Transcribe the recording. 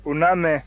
u n'a mɛn